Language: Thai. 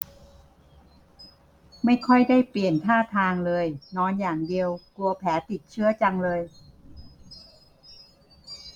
ไม่ค่อยได้เปลี่ยนท่าทางเลยนอนอย่างเดียวกลัวแผลติดเชื้อจังเลย